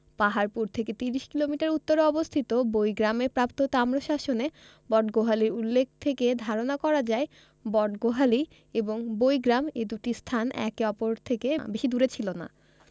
পাহাড়পুর থেকে ৩০ কিলোমিটার উত্তরে অবস্থিত বৈগ্রামে প্রাপ্ত তাম্রশাসনে বটগোহালীর উল্লেখ থেকে ধারণা করা যায় বটগোহালী এবং বৈগ্রাম এ দুটি স্থান একে অপর থেকে বেশিদূরে ছিল না